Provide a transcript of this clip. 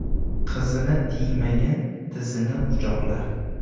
qizini tiymagan tizini quchoqlar